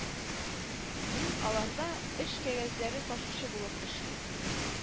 Мин аларда эш кәгазьләре ташучы булып эшлим